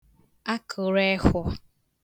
akụrephọ